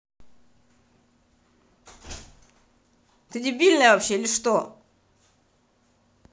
ты дебильная вообще или что